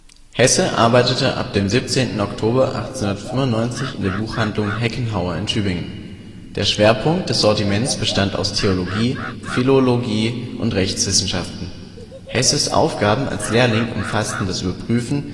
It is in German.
Hesse arbeitete ab dem 17. Oktober 1895 in der Buchhandlung Heckenhauer in Tübingen. Der Schwerpunkt des Sortiments bestand aus Theologie, Philologie und Rechtswissenschaften. Hesses Aufgaben als Lehrling umfassten das Überprüfen